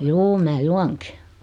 juu minä juonkin